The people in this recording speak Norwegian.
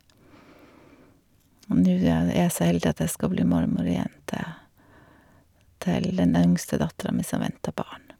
Og nå er det er jeg så heldig at jeg skal bli mormor igjen til til den yngste dattera mi, som venter barn.